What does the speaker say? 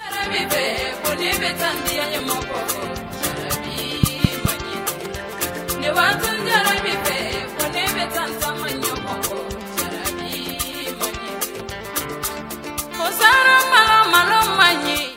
Bɛ ko bɛ taa denmɔgɔ ni wa bɛ ko bɛ samɔgɔ muso saba malo man ɲi